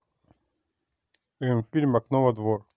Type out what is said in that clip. м фильм окно во двор